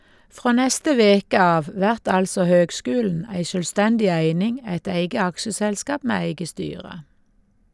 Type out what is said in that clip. Frå neste veke av vert altså høgskulen ei sjølvstendig eining, eit eige aksjeselskap med eige styre.